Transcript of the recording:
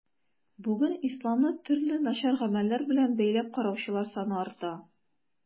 Бүген исламны төрле начар гамәлләр белән бәйләп караучылар саны арта.